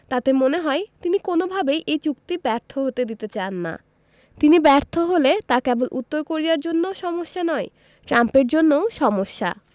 তাতে মনে হয় তিনি কোনোভাবেই এই চুক্তি ব্যর্থ হতে দিতে চান না তিনি ব্যর্থ হলে তা কেবল উত্তর কোরিয়ার জন্য সমস্যা নয় ট্রাম্পের জন্যও সমস্যা